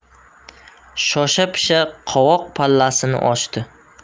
shosha pisha qovoq pallasini ochdi